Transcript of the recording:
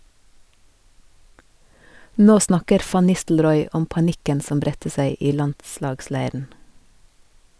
Nå snakker van Nistelrooy om panikken som bredte seg i landslagsleiren.